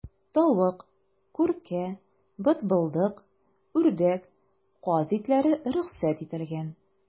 Тавык, күркә, бытбылдык, үрдәк, каз итләре рөхсәт ителгән.